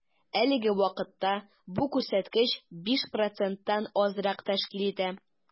Әлеге вакытта бу күрсәткеч 5 проценттан азрак тәшкил итә.